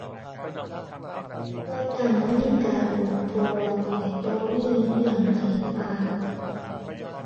บ่ตั้งนาฬิกาปลุก เพราะว่าข้อยบ่มีอิหยังให้ฟ้าว